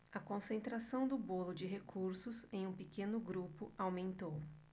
a concentração do bolo de recursos em um pequeno grupo aumentou